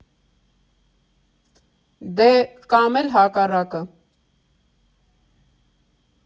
Դե, կամ էլ հակառակը։